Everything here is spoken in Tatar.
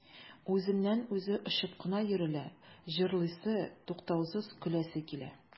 Үзеннән-үзе очып кына йөрелә, җырлыйсы, туктаусыз көләсе килә.